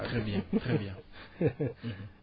très bien très bien %hu